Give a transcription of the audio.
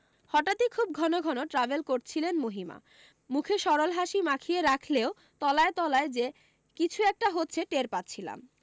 হঠাতি খুব ঘন ঘন ট্রাভেল করছিলেন মহিমা মুখে সরল হাসি মাখিয়ে রাখলেও তলায় তলায় যে কিছু একটা হচ্ছে টের পাচ্ছিলাম